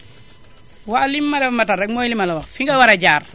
waaw li mu war a mën a motal rekk mooy li ma la wax fi nga war a jaar